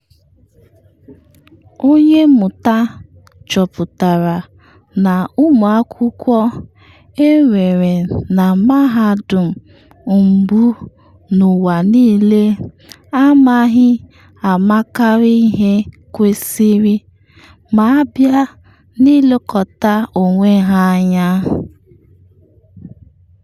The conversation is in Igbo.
Onye mmụta chọpụtara na ụmụ akwụkwọ enwere na Mahadum mbu n’ụwa niile anaghị amakarị ihe kwesịrị ma abịa n’ilekọta onwe ha anya.